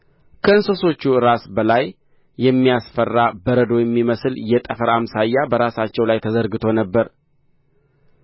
ከእንስሶች ራስ በላይ የሚያስፈራ በረዶ የሚመስል የጠፈር አምሳያ በራሳቸው ላይ ተዘርግቶ ነበር